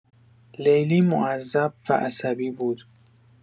لیلی مغذب و عصبی بود.